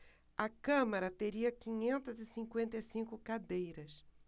a câmara teria quinhentas e cinquenta e cinco cadeiras